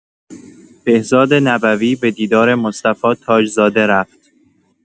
بهزاد نبوی به دیدار مصطفی تاج‌زاده رفت